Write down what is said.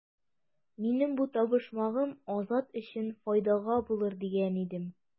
Минем бу табышмагым Азат өчен файдага булыр дигән идем.